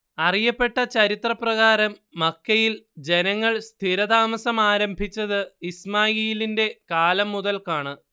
അറിയപ്പെട്ട ചരിത്രപ്രകാരം മക്കയിൽ ജനങ്ങൾ സ്ഥിരതാമസമാരംഭിച്ചത് ഇസ്മാഈലിന്റെ കാലം മുതൽക്കാണ്